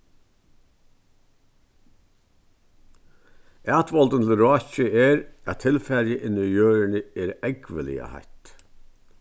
atvoldin til rákið er at tilfarið inni í jørðini er ógvuliga heitt